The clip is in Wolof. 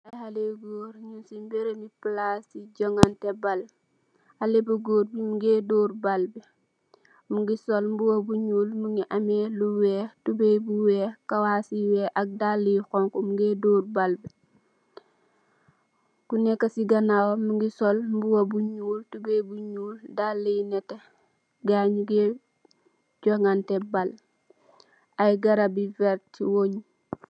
Xalé yu goor ñung si bërëbu palaas si jongante bal. Xale bu Goor bi mu ngee door bal bi, mu ngi sol mbuba bu ñuul, mu ngi amee lu weex, tubooy bu weex, kawaas yu weex, ak dallë yu xoñxu, mu ngee door bal bi. Ku neekë si ganaaw, mu ngi sol tubööy ñuul, dallë yu nétté. Gaa yi ñu ngee jongante bal. Ay garab yu werta, wëng.